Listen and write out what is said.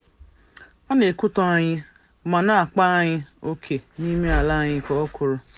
"A na-ekwutọ anyị ma na-akpa anyị ókè n'ime ala anyị," ka o kwuru.